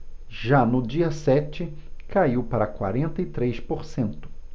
já no dia sete caiu para quarenta e três por cento